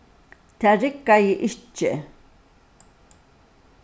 tað riggaði ikki